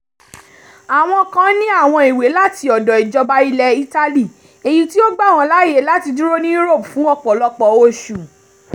Àwọn kan ní àwọn ìwé láti ọ̀dọ̀ ìjọba ilẹ̀ Italy èyí tí ó gbà wọ́n láàyè láti dúró ní Europe fún ọ̀pọ̀lọpọ̀ oṣù.